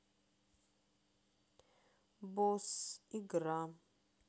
босс игра